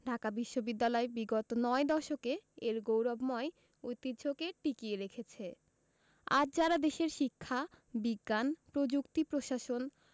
ঢাকা বিশ্ববিদ্যালয় বিগত নয় দশকে এর গৌরবময় ঐতিহ্যকে টিকিয়ে রেখেছে আজ যাঁরা দেশের শিক্ষা বিজ্ঞান প্রযুক্তি প্রশাসন